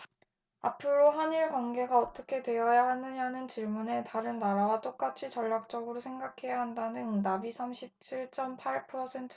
앞으로의 한 일 관계가 어떻게 되어야 하느냐는 질문에 다른 나라와 똑같이 전략적으로 생각해야 한다는 응답이 삼십 칠 쩜 팔 퍼센트로 가장 많았다